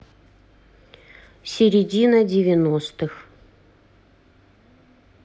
середина девяностых